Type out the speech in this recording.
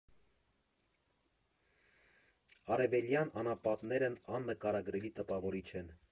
Արևելյան անապատներն աննկարագրելի տպավորիչ են։